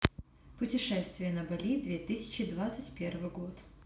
путешествие на бали две тысячи двадцать первый год